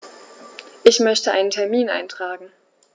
Ich möchte einen Termin eintragen.